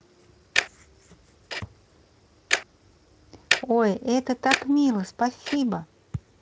ой это так мило спасибо